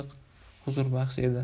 huzurbaxsh edi